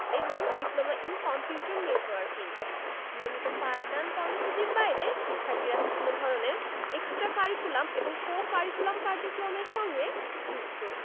এবং diploma in computer networking নিয়মিত পাঠদান কর্মসূচির বাইরে শিক্ষার্থীরা বিভিন্ন ধরনের এক্সটা কারিকুলাম এবং কো কারিকুলাম কার্যক্রমের সঙ্গে যুক্ত